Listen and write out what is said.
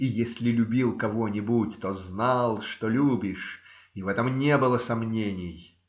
И если любил кого-нибудь, то знал, что любишь; в этом не было сомнений.